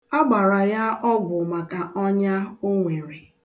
A gbara ya ọgwụ maka ọnya o nwere.